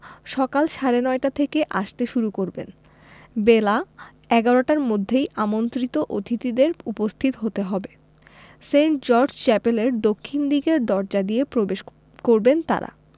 সকাল সাড়ে নয়টা থেকে আসতে শুরু করবেন বেলা ১১টার মধ্যেই আমন্ত্রিত অতিথিদের উপস্থিত হতে হবে সেন্ট জর্জ চ্যাপেলের দক্ষিণ দিকের দরজা দিয়ে প্রবেশ করবেন তাঁরা